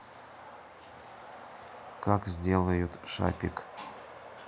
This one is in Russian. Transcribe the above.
как сделают шапик